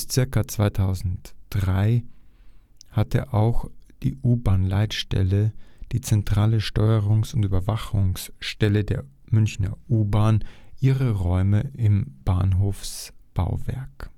ca. 2003 hatte auch die U-Bahnleitstelle, die zentrale Steuerungs - und Überwachungsstelle der Münchner U-Bahn, ihre Räume im Bahnhofsbauwerk